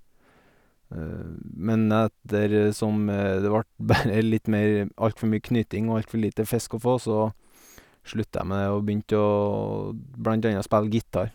Men ettersom det vart bare litt mer alt for mye knyting og alt for lite fisk å få, så slutta jeg med det og begynte å blant anna spille gitar.